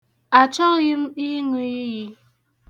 Achọghị ịṅụ iyi.